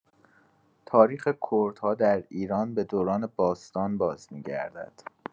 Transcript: تاریخ کردها در ایران به دوران باستان بازمی‌گردد.